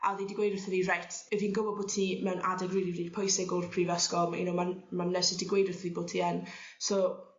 a o'dd 'i 'di gweud wrtho fi reit 'yf fi'n gwbo bo' ti mewn adeg rili rili pwysig o'r prifysgol ma' you know ma'n ma'r nyrs wedi gweud wrth fi bo' ti yn so